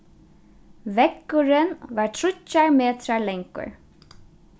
veggurin var tríggjar metrar langur